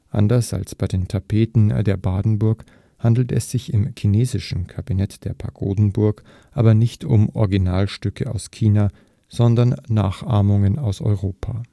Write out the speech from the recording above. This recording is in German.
Anders als bei den Tapeten der Badenburg handelt es sich im chinesischen Kabinett der Pagodenburg aber nicht um Originalstücke aus China, sondern Nachahmungen aus Europa